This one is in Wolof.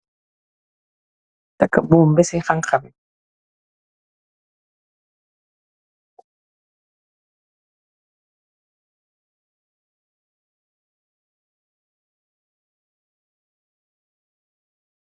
Tahkah mboum bii cii hanha bii.